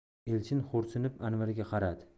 elchin xo'rsinib anvarga qaradi